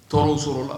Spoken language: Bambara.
Tw sɔrɔla la